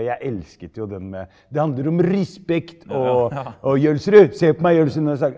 jeg elsket jo den det handler om respekt og og Jølsrud se på meg Jølsrud når jeg.